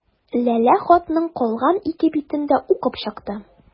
Ләлә хатның калган ике битен дә укып чыкты.